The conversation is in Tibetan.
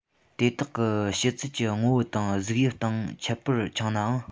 དེ དག གི ཕྱི ཚུལ གྱི ངོ བོ དང གཟུགས དབྱིབས སྟེང ཁྱད པར ཆུང ནའང